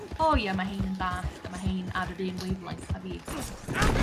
o ia ma' 'hein yn dallt a ma' hein ar yr un wavelength a fi so't o' thing.